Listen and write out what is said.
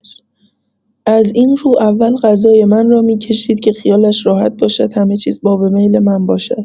از این رو اول غذای من را می‌کشید که خیالش راحت باشد همه چیز باب میل من باشد.